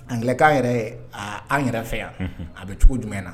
An kɛlɛ k' yɛrɛ ye an yɛrɛ fɛ yan a bɛ cogo jumɛn na